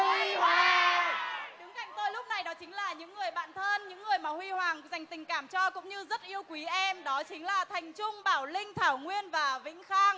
đứng cạnh tôi lúc này đó chính là những người bạn thân những người mà huy hoàng dành tình cảm cho cũng như rất yêu quý em đó chính là thành trung bảo linh thảo nguyên và vĩnh khang